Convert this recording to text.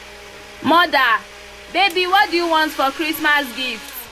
Mother: Baby, what do you want for Christmas gift?